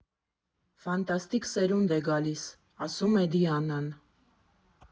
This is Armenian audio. «Ֆանտաստիկ սերունդ է գալիս, ֊ ասում է Դիանան։